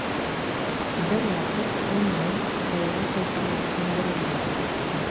Бер вакыт ул мине Кытайга кайтырга күндерергә тырышты.